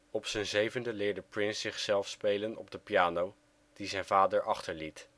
Op zijn zevende leerde Prince zichzelf spelen op de piano die zijn vader achterliet